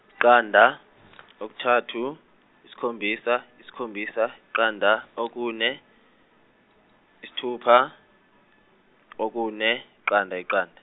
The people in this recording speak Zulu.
iqanda okuthathu isikhombisa isikhombisa iqanda okune, isithupha, okune iqanda iqand-.